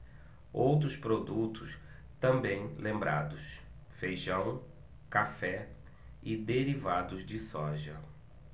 outros produtos também lembrados feijão café e derivados de soja